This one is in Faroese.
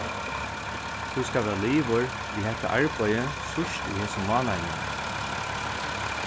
tú skal verða liðugur við hetta arbeiðið síðst í hesum mánaðinum